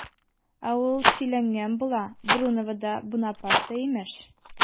Ә ул сөйләнгән була, Бруновода Бунапарте имеш!